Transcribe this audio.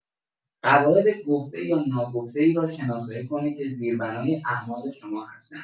قواعد گفته یا ناگفته‌ای را شناسایی کنید که زیربنای اعمال شما هستند.